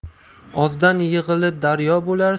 ozdan yig'ilib daryo bo'lar